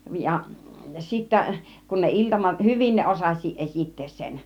ja sitten kun ne iltamat hyvin ne osasikin esittää sen